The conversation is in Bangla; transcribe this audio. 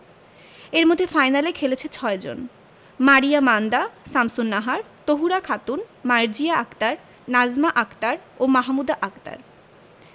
এর মধ্যে ফাইনালে খেলেছে ৬ জন মারিয়া মান্দা শামসুন্নাহার তহুরা খাতুন মার্জিয়া আক্তার নাজমা আক্তার ও মাহমুদা আক্তার